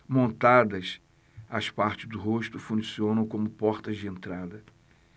montadas as partes do rosto funcionam como portas de entrada